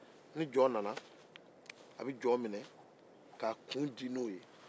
ni jɔn nana a bɛ jɔn minɛ k'a kun di n'o ye